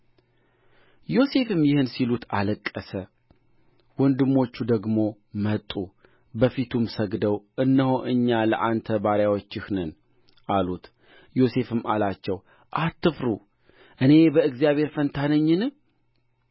ዮሴፍም ይህን ሲሉት አለቀሰ ወንድሞቹ ደግሞ መጡ በፊቱም ሰግደው እነሆ እኛ ለአንተ ባሪያዎችህ ነን አሉት ዮሴፍም አላቸው አትፍሩ እኔ በእግዚአብሔር ፋንታ ነኝን